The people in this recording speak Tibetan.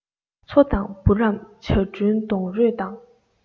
མཚོ དང བུ རམ བྱ བྲུན སྡོང རོས དང